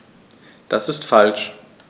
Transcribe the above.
Das ist falsch.